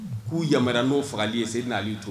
K'u yamanara n'o fagali ye se n' to